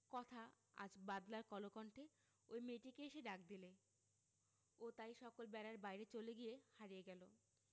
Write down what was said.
কথা আজ বাদলার কলকণ্ঠে ঐ মেয়েটিকে এসে ডাক দিলে ও তাই সকল বেড়ার বাইরে চলে গিয়ে হারিয়ে গেল